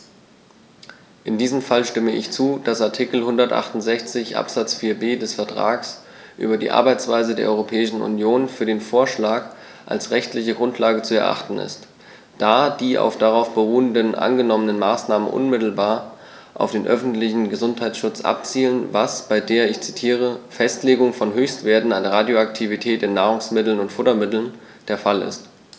In diesem Fall stimme ich zu, dass Artikel 168 Absatz 4b des Vertrags über die Arbeitsweise der Europäischen Union für den Vorschlag als rechtliche Grundlage zu erachten ist, da die auf darauf beruhenden angenommenen Maßnahmen unmittelbar auf den öffentlichen Gesundheitsschutz abzielen, was bei der - ich zitiere - "Festlegung von Höchstwerten an Radioaktivität in Nahrungsmitteln und Futtermitteln" der Fall ist.